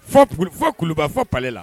Fɔ kulu kulubali fɔ pale la